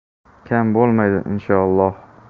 kam bo'lmaydi inshoolloh